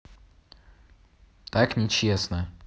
так нечестно